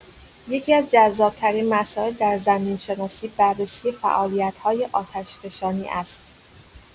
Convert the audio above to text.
یکی‌از جذاب‌ترین مسائل در زمین‌شناسی بررسی فعالیت‌های آتشفشانی است.